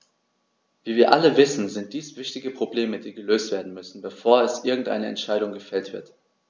Wie wir alle wissen, sind dies wichtige Probleme, die gelöst werden müssen, bevor irgendeine Entscheidung gefällt wird.